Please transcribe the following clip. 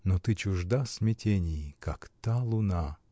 Но ты чужда смятений, Как та луна.